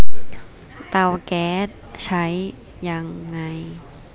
เตาแก๊สใช้ยังไง